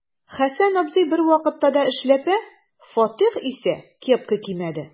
Хәсән абзый бервакытта да эшләпә, Фатих исә кепка кимәде.